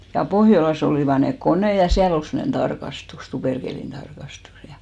ja Pohjolassa olivat ne koneet ja siellä oli semmoinen tarkastus tuperkelin tarkastus ja